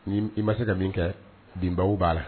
Ni i ma se ka min kɛ binbaw b'a la